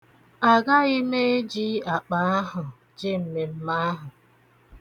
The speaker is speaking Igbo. Agaghị m eji akpa ahụ je mmemme ahụ.